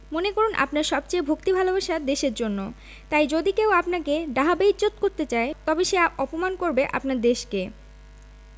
মনে করুন আপনার সবচেয়ে ভক্তি ভালবাসা দেশের জন্য তাই যদি কেউ আপনাকে ডাহা বেইজ্জত্ করতে চায় তবে সে অপমান করবে আপনার দেশকে